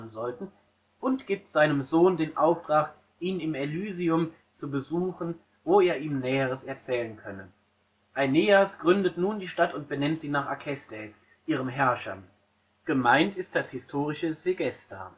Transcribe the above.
sollten, und gibt seinem Sohn den Auftrag, ihn im Elysium zu besuchen, wo er ihm näheres erzählen könne. Aeneas gründet nun die Stadt und benennt sie nach Acestes, ihrem Herrscher (gemeint ist das historische Segesta